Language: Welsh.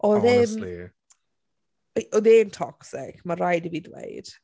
Oedd e'n... honestly ... i- oedd e'n toxic mae'n rhaid i fi dweud.